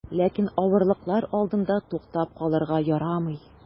Ләкин авырлыклар алдында туктап калырга ярамый.